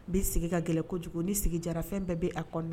Bi sigi ka gɛlɛ kojugu, ni sigi diyara , fɛn bɛɛ b'a kɔnɔ!